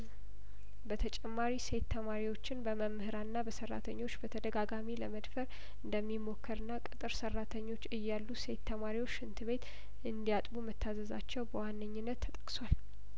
በተጨማሪ ሴት ተማሪዎችን በመምህራንና በሰራተኞች በተደጋጋሚ ለመድፈር እንደሚሞከርና ቅጥር ሰራተኞች እያሉ ሴት ተማሪዎች ሽንት ቤት እንዲያጥቡ መታዘዛቸው በዋነኛነት ተጠቅሷል